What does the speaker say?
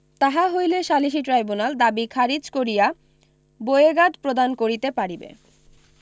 তাহা হইলে সালিসী ট্রাইব্যুনাল দাবী খারিজ কিরয়া বোয়েগাদ প্রদান করিতে পারিবে